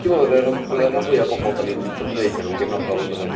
Dwi'n meddwl fyddai'r rhan fwyaf rhan fwyaf o bobl dan ni'n ymwneud â nhw'n gefnogol yn bydden?